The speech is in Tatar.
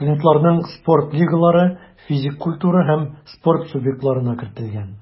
Студентларның спорт лигалары физик культура һәм спорт субъектларына кертелгән.